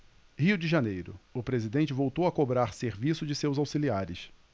rio de janeiro o presidente voltou a cobrar serviço de seus auxiliares